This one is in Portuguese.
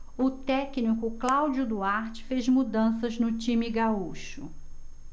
o técnico cláudio duarte fez mudanças no time gaúcho